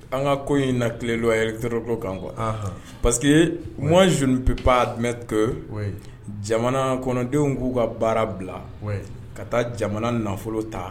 An ka ko in latilen loi électorale ko kan yɛrɛtɔlo kan quoi parce que moi je ne peux pas admettre que jamanakɔnɔdenw k'u ka baara bila ka taa jamana nafolo ta